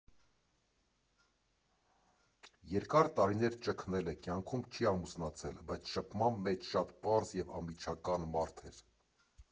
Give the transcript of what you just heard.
Երկար տարիներ ճգնել է, կյանքում չի ամուսնացել, բայց շփման մեջ շատ պարզ և անմիջական մարդ էր։